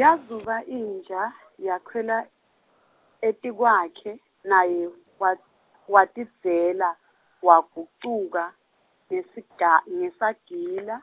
Yazuba inja, yekhwela etikwakhe, naye wa- watidzela, wagucuka, ngesiga- ngesagila ,